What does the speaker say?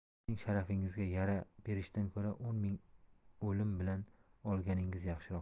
sizning sharafingizga yara berishdan ko'ra o'n ming o'lim bilan o'lganingiz yaxshiroqdir